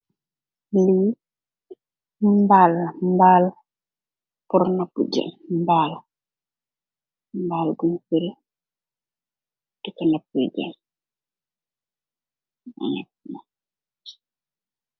Li mbal la, mbal purr napu jén, mbal guñ firih diko napéé jén.